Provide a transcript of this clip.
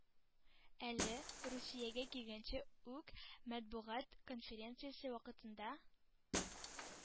Әле Русиягә килгәнче үк матбугат конференциясе вакытында